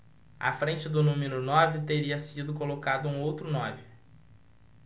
à frente do número nove teria sido colocado um outro nove